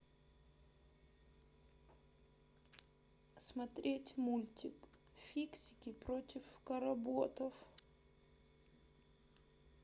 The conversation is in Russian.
смотреть мультик фиксики против кработов